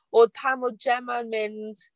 Oedd pan oedd Gemma yn mynd...